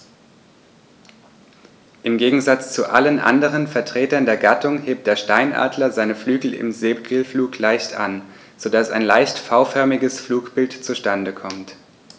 Im Gegensatz zu allen anderen Vertretern der Gattung hebt der Steinadler seine Flügel im Segelflug leicht an, so dass ein leicht V-förmiges Flugbild zustande kommt.